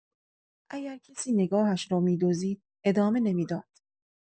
اگه کسی نگاهش رو می‌دزدید، ادامه نمی‌داد.